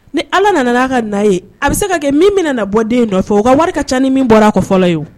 Ni ala nana'a ka na ye a bɛ se ka kɛ min bɛna bɔ den nɔfɛ u ka wari ka cani min bɔra a kɔ fɔlɔ ye